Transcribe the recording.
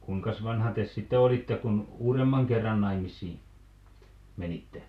kuinkas vanha te sitten olitte kun uudemman kerran naimisiin menitte